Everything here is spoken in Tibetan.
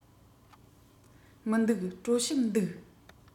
མི འདུག གྲོ ཞིབ འདུག